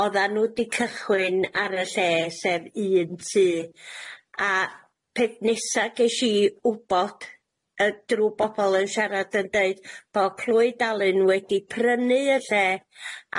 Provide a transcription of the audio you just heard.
o'ddan nw di cychwyn ar y lle sef un tŷ a peth nesa gesh i wbod yy drw bobol yn siarad yn deud bo' Clwyd Alun wedi prynu y lle,